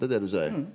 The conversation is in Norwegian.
det er det du sier.